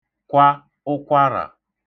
kwa ụkwarà